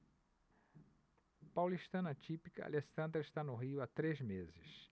paulistana típica alessandra está no rio há três meses